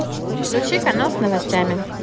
включи канал с новостями